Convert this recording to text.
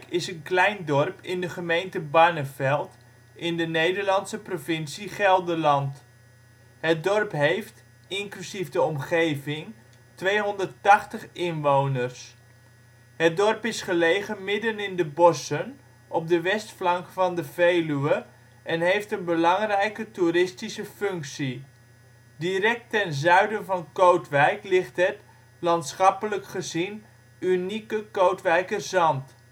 is een klein dorp in de gemeente Barneveld, in de Nederlandse provincie Gelderland. Het dorp heeft, inclusief de omgeving, 280 inwoners (2004). Het dorp is gelegen midden in de bossen, op de westflank van de Veluwe en heeft een belangrijke toeristische functie. Direct ten zuiden van Kootwijk ligt het, landschappelijk gezien, unieke Kootwijkerzand